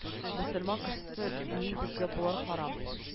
Мөселман кешесе мин безгә болар харам